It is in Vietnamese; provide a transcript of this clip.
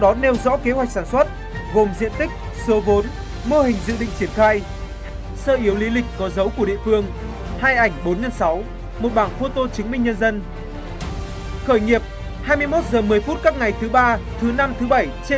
có nêu rõ kế hoạch sản xuất gồm diện tích số vốn mô hình dự định triển khai sơ yếu lý lịch có dấu của địa phương hai ảnh bốn nhân sáu một bản phô tô chứng minh nhân dân khởi nghiệp hai mươi mốt giờ mười phút các ngày thứ ba thứ năm thứ bảy trên